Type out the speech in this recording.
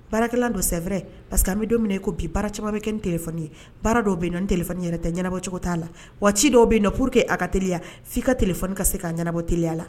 Baarakɛla don sɛɛrɛ pa que a bɛ don minɛ ko bi baaracogo bɛ kɛ n t ye baara dɔw bɛ yen nɔn t yɛrɛ tɛ ɲɛnabɔcogo' aa la wa ci dɔw bɛ yen nɔnur que a ka teliya f'i ka t tileoni ka se k ka ɲɛnaanabɔ tya a la